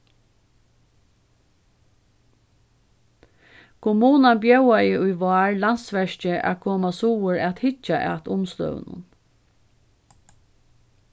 kommunan bjóðaði í vár landsverki at koma suður at hyggja at umstøðunum